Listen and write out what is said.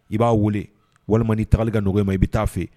I b'a weele walima n'i taali ka nɔgɔya ma i bɛ taa a fɛ